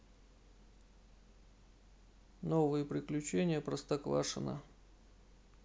новые приключения простоквашино